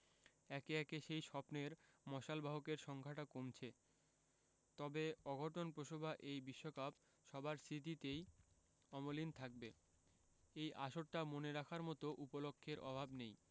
একে একে সেই স্বপ্নের মশালবাহকের সংখ্যাটা কমেছে তবে অঘটনপ্রসবা এই বিশ্বকাপ সবার স্মৃতিতেই অমলিন থাকবে এই আসরটা মনে রাখার মতো উপলক্ষের অভাব নেই